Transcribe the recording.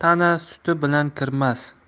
tana suti bilan kirmas